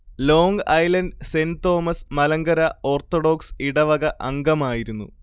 long Island Saint Thomas Malankara Orthodox ഇടവക അംഗമായിരുന്നു